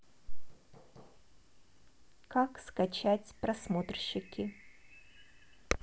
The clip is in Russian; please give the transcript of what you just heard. как скачать просмотрщики